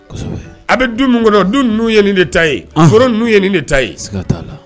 A bɛ du min dun